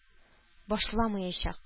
Башламаячак